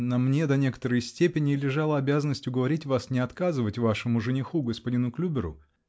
на мне -- до некоторой степени -- лежала обязанность уговорить вас не отказывать вашему жениху, господину Клюберу.